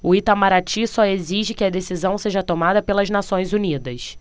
o itamaraty só exige que a decisão seja tomada pelas nações unidas